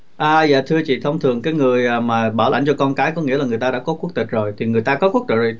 à dạ thưa chị thông thường cái người mà bảo lãnh cho con cái có nghĩa là người ta đã có quốc tịch rồi thì người ta có quốc tịch rồi